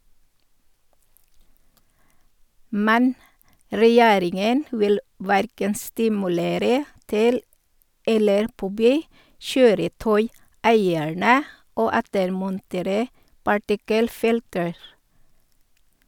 Men Regjeringen vil hverken stimulere til eller påby kjøretøyeierne å ettermontere partikkelfilter.